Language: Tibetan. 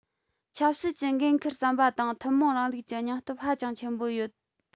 ཆབ སྲིད ཀྱི འགན འཁུར བསམ པ དང ཐུན མོང རིང ལུགས ཀྱི སྙིང སྟོབས ཧ ཅང ཆེན པོ ཡོད